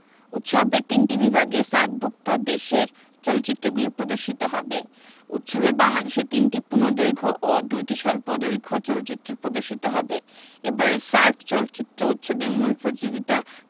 উৎসবের তিনটি বিভাগে সার্কভুক্ত দেশের চলচ্চিত্রগুলো প্রদর্শিত হবে উৎসবে বাংলাদেশের ৩টি পূর্ণদৈর্ঘ্য ও ২টি স্বল্পদৈর্ঘ্য চলচ্চিত্র প্রদর্শিত হবে এবারের সার্ক চলচ্চিত্র উৎসবের মূল প্রতিযোগিতা